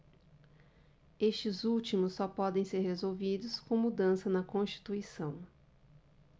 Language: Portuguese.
estes últimos só podem ser resolvidos com mudanças na constituição